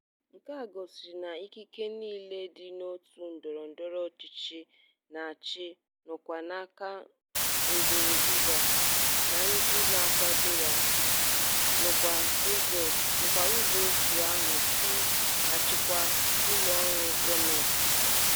Nke a gosiri na ikike niile dị n'òtù ndọrọndọrọ ọchịchị na-achị nakwa n'aka Nkurunziza na ndị nkwado ya, nakwa ụzọ òtù ahụ sị achịkwa ụlọọrụ gọọmentị.